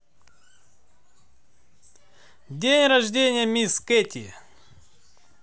день рождения miss katy